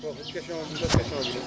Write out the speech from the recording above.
foofu question bi la question bi nekk